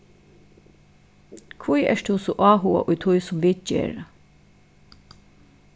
hví ert tú so áhugað í tí sum vit gera